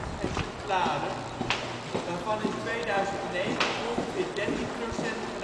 exemplaren, waarvan in 2009 ongeveer 13 % gratis